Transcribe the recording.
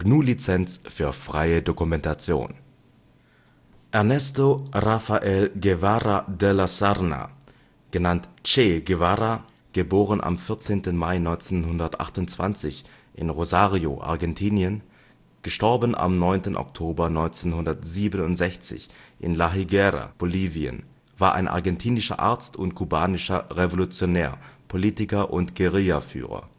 GNU Lizenz für freie Dokumentation. Ernesto Rafael Guevara de la Serna, genannt Che Guevara (* 14. Mai 1928 in Rosario, Argentinien; † 9. Oktober 1967 in La Higuera, Bolivien) war ein argentinischer Arzt und kubanischer Revolutionär, Politiker und Guerillaführer